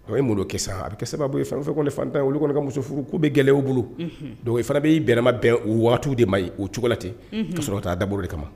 A ye kɛ a bɛ kɛ sababu ye fɛn fɛn kɔni olu kɔnɔ ka muso furu ko bɛ gɛlɛyaw bolo fana b'i bɛnma bɛn o waati de ma o cogo la ten ka sɔrɔ taa dauru de kama